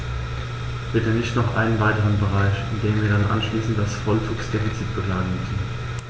Bitte nicht noch einen weiteren Bereich, in dem wir dann anschließend das Vollzugsdefizit beklagen müssen.